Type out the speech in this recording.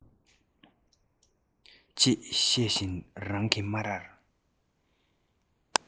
ཅེས བཤད བཞིན རང གི སྨ རར